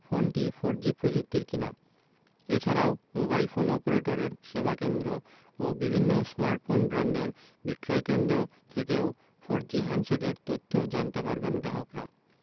ফোনটি ফোরজি প্রযুক্তির কিনা এ ছাড়াও মোবাইল ফোন অপারেটরের সেবাকেন্দ্র ও বিভিন্ন স্মার্টফোন ব্র্যান্ডের বিক্রয়কেন্দ্র থেকেও ফোরজি হ্যান্ডসেটের তথ্য জানতে পারবেন গ্রাহকরা